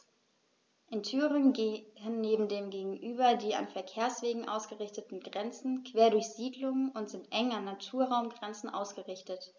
In Thüringen gehen dem gegenüber die an Verkehrswegen ausgerichteten Grenzen quer durch Siedlungen und sind eng an Naturraumgrenzen ausgerichtet.